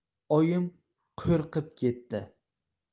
oyim qo'rqib ketdi